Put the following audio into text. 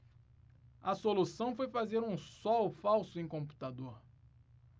a solução foi fazer um sol falso em computador